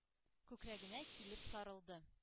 Күкрәгенә килеп сарылды.—